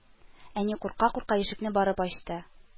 Әни, курка-курка, ишекне барып ачты